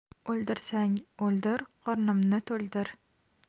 o'ldirsang o'ldir qornimni toldir